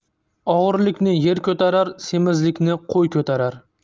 og'irlikni yer ko'tarar semizlikni qo'y ko'tarar